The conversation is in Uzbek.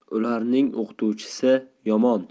ularning o'qituvchisi yomon